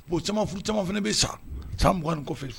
Bon caman furu caman fana bɛ sa san muganin kofi fili